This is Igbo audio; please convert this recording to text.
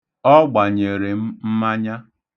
Ọ gbanyere m mmanya.